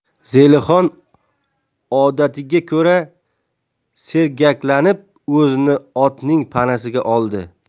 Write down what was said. zelixon odatiga ko'ra sergaklanib o'zini otning panasiga oldi